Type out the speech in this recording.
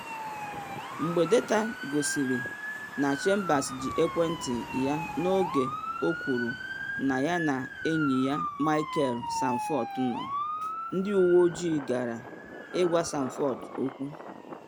Mgbe data gosiri na Chambers ji ekwentị ya n’oge o kwuru na ya na enyi ya Michael Sanford nọ, ndị uwe ojii gara ịgwa Sanford okwu.